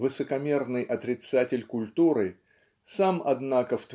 высокомерный отрицатель культуры сам однако